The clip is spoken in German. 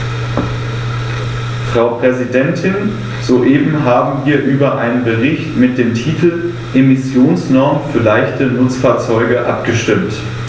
Frau Präsidentin, soeben haben wir über einen Bericht mit dem Titel "Emissionsnormen für leichte Nutzfahrzeuge" abgestimmt.